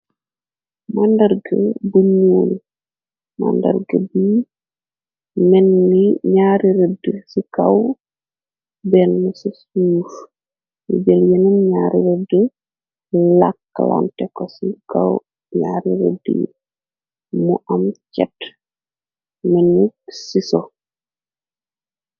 Màndarga bu ñuul màndarga bi melni ñaari rëda ci kaw bena ci suuf lidël yenam ñaari rëda lakklante ko ci kaw ñaari rëda mu am cet melni ciso.